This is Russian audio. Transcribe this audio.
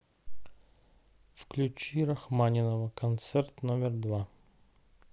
включи рахманинова концерт номер два